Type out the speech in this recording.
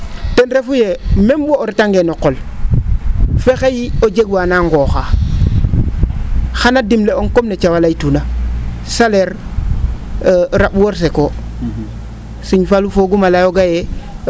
ten refu yee meme wo o retangee no qol fexeyi o jeg waa na nqooxaa xana dimle'ong comme ne Thiaw a laytuuna salaire ra? warsak oo Serigne Fallou fogum a layooga yee